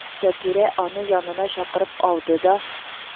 Сатирә аны янына чакырып алды да: